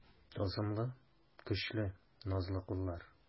Тылсымлы, көчле, назлы куллар.